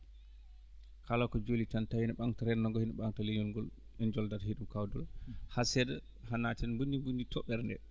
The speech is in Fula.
kala ko joli tan tawii no ɓamtoree nanngu heen ɓamta leeñol ngol en njoldat he ɗuum kaw Doulohay haa seeɗa haa naaten en * toɓɓere ndee